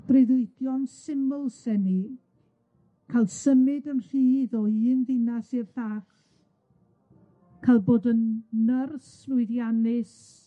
Breuddwydio'n syml sen i, ca'l symud yn rhydd o un ddinas i'r llall, ca'l bod yn nyrs llwyddiannus,